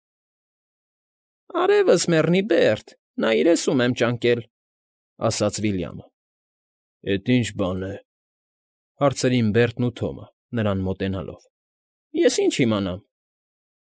Արևս մեռնի, Բերտ, նայիր, էս ում եմ ճանկել, ֊ ասաց Վիլյամը։ ֊ Էս ի՞նչ բան է,֊ հարցրին Բերտն ու Թոմը՝ նրան մոտենալով։ ֊ Ես ինչ իմանամ։